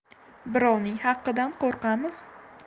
birovning haqidan qo'rqamiz